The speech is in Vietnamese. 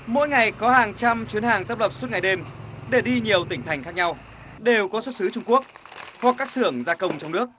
mỗi ngày có hàng trăm chuyến hàng tấp nập suốt ngày đêm để đi nhiều tỉnh thành khác nhau đều có xuất xứ trung quốc qua các xưởng gia công trong nước